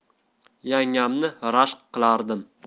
yangamni rashk qilardim